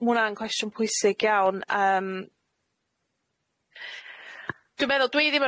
Ma' hwnna'n cwestiwn pwysig iawn yym dwi'n meddwl dwi ddim